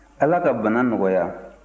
ala ka bana nɔgɔya